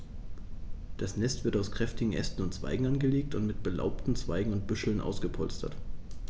Das Nest wird aus kräftigen Ästen und Zweigen angelegt und mit belaubten Zweigen und Büscheln ausgepolstert.